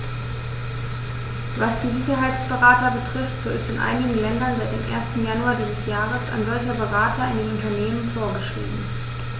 Was die Sicherheitsberater betrifft, so ist in einigen Ländern seit dem 1. Januar dieses Jahres ein solcher Berater in den Unternehmen vorgeschrieben.